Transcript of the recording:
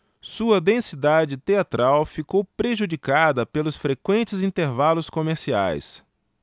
sua densidade teatral ficou prejudicada pelos frequentes intervalos comerciais